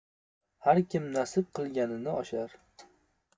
har kim nasib qilganini oshar